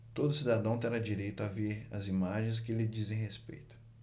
todo cidadão terá direito de ver as imagens que lhe dizem respeito